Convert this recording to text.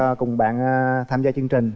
cùng bạn a tham gia chương trình